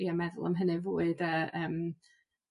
ia meddwl am hynny fwy y'de yym.